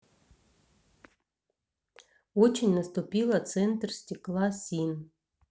очень наступила центр стекла син